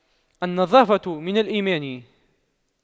النظافة من الإيمان